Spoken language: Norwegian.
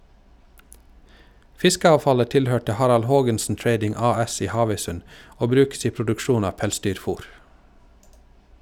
Fiskeavfallet tilhørte Harald Haagensen Trading AS i Havøysund, og brukes i produksjon av pelsdyrfr.